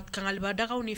Kangaliba daga ni